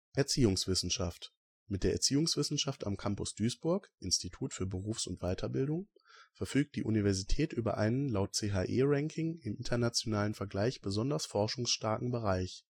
Erziehungswissenschaft: Mit der Erziehungswissenschaft am Campus Duisburg (Institut für Berufs - und Weiterbildung) verfügt die Universität über einen - laut CHE-Ranking - im nationalen Vergleich besonders " forschungsstarken " Bereich